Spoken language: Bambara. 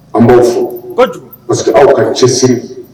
An b'aw fɔ parce que aw ka cɛ sini